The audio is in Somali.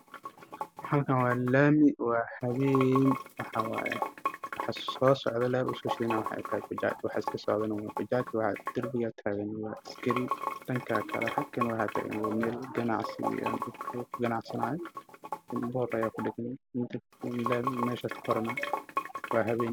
Meeshan waa laami waana suuq waxaa ku yaalla dukaamo leh ayaa ka ifaayo